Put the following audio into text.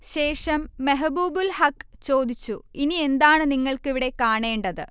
ശേഷം മെഹ്ബൂബുൽ ഹഖ് ചോദിച്ചു: ഇനിയെന്താണ് നിങ്ങൾക്കിവിടെ കാണേണ്ടത്